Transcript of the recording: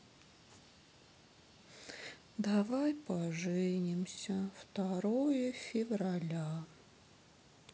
давай поженимся второе февраля